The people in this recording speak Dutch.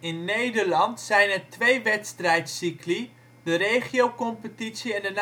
Nederland zijn er twee wedstrijdcycli, de Regiocompetitie en